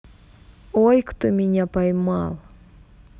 ой кто меня поймал